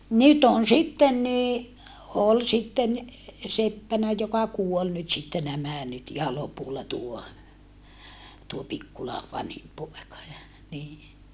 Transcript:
nyt on sitten niin oli sitten seppänä joka kuoli nyt sitten nämä nyt ihan lopulla tuo tuo Pikkulan vanhin poika ja niin